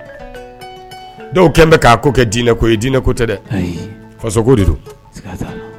Dɔw kɛlen bɛ k'a ko kɛ dinɛ ko ye diinɛ ko tɛ dɛ ko